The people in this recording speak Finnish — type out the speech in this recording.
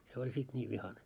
se oli sitten niin vihainen